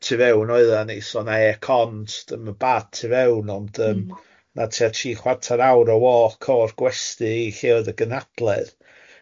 Tu fewn oedda ni so na air con st- ma' bach tu fewn ond yym na tua tri chwarter awr o walk o'r gwesty i lle oedd y gynhadledd.